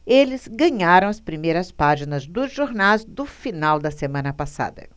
eles ganharam as primeiras páginas dos jornais do final da semana passada